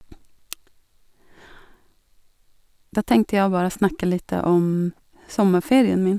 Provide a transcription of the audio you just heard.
Da tenkte jeg å bare snakke litt om sommerferien min.